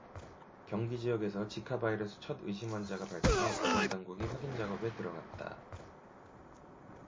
경기지역에서 지카바이러스 첫 의심환자가 발생해 보건당국이 확인 작업에 들어갔다